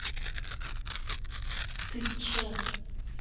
ты че